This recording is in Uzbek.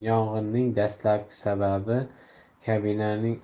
yong'inning dastlabki sababi kabinaning